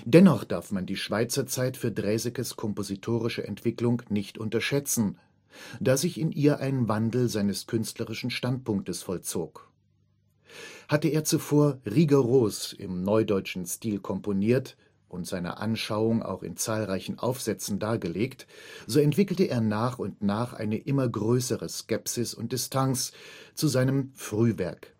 Dennoch darf man die Schweizer Zeit für Draesekes kompositorische Entwicklung nicht unterschätzen, da sich in ihr ein Wandel seines künstlerischen Standpunktes vollzog. Hatte er zuvor rigoros im neudeutschen Stil komponiert und seine Anschauung auch in zahlreichen Aufsätzen dargelegt, so entwickelte er nach und nach eine immer größere Skepsis und Distanz zu seinem Frühwerk